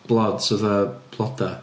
Blods, fatha blodau?